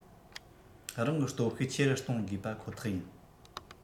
རང གི སྟོབས ཤུགས ཆེ རུ གཏོང དགོས པ ཁོ ཐག ཡིན